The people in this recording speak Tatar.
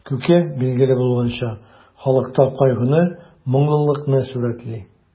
Күке, билгеле булганча, халыкта кайгыны, моңлылыкны сурәтли.